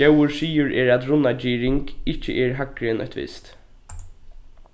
góður siður er at runnagirðing ikki er hægri enn eitt vist